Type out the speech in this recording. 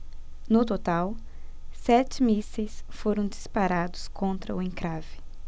no total sete mísseis foram disparados contra o encrave